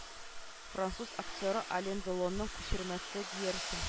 Француз актеры ален делонның күчермәсе диярсең